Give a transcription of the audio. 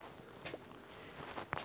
зашкварные истории